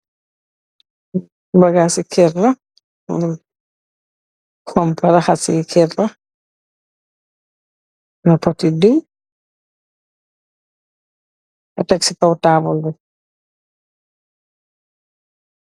Bagaasi kèr la, fompu rahaseh Kèr la am putti diw bu teggeh ci kaw tabull bi.